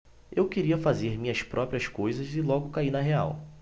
eu queria fazer minhas próprias coisas e logo caí na real